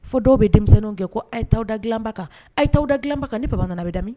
Fɔ dɔw bɛ denmisɛnninw gɛn ko a ye t'aa da dilan ba kan , a ye taw da dilan ba kan, ni papa_ nana a bɛ da mlm?